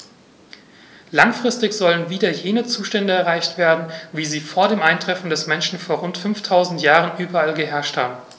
Langfristig sollen wieder jene Zustände erreicht werden, wie sie vor dem Eintreffen des Menschen vor rund 5000 Jahren überall geherrscht haben.